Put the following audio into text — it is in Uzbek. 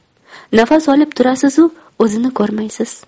nafas olib turasizu o'zini ko'rmaysiz